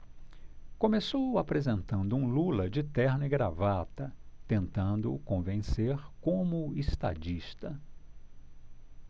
começou apresentando um lula de terno e gravata tentando convencer como estadista